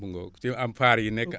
mu ngoog ci am faar yi nekk